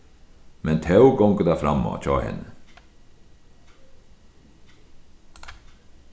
men tó gongur tað framá hjá henni